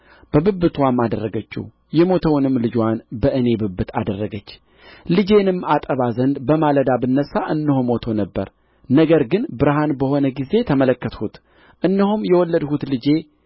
በብብትዋም አደረገችው የሞተውንም ልጅዋን በእኔ ብብት አደረገች ልጄንም አጠባ ዘንድ በማለዳ ብነሣ እነሆ ሞቶ ነበር ነገር ግን ብርሃን በሆነ ጊዜ ተመለከትሁት እነሆም የወለድሁት ልጄ